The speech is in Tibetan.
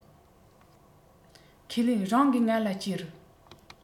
ཁས ལེན རང གིས ང ལ ཅེར